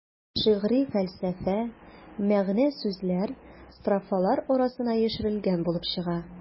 Шигъри фәлсәфә, мәгънә-сүзләр строфалар арасына яшерелгән булып чыга.